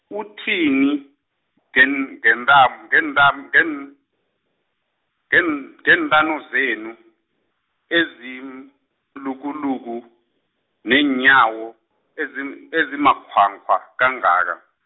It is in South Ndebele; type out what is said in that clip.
uthini n- ngen- ngentamo ngentam- ngen-, ngen- ngentamo zenu ezimlukuluku, neenyawo ezim- ezimakghwakghwa kangaka.